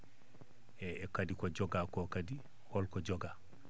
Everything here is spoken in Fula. eeyi e kadi ko jogaa ko kadi holko jogaa